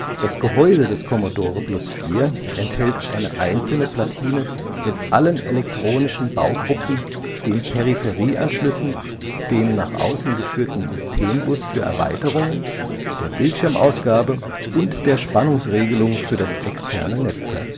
Das Gehäuse des Commodore Plus/4 enthält eine einzelne Platine mit allen elektronischen Baugruppen, den Peripherieanschlüssen, dem nach außen geführten Systembus für Erweiterungen, der Bildschirmausgabe und der Spannungsregelung für das externe Netzteil